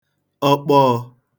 ọkpọọ̄